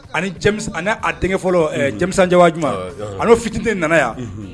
Denkɛ fɔlɔ cɛcɛwa ɲumanuma ani fitte nana yan